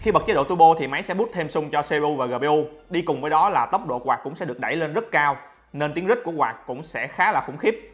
khi bật chế độ turbo máy sẽ boost thêm xung cho cpu và gpu đi cùng với đó là tốc độ quạt cũng được đẩy lên rất cao nên tiếng rít của quạt cũng khá là khủng khiếp